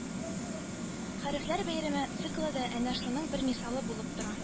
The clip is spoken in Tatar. «хәрефләр бәйрәме» циклы да әнә шуның бер мисалы булып тора